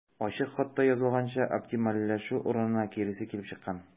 Ачык хатта язылганча, оптимальләшү урынына киресе килеп чыккан.